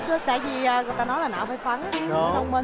người ta nói não phải xoắn mới thông minh